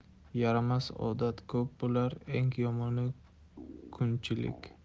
yaramas odat ko'p bo'lar eng yomoni kunchilik